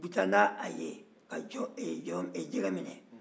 u bɛ taa n'a ye ka jɛgɛ minɛ